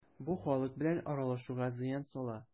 Бу халык белән аралашуга зыян сала.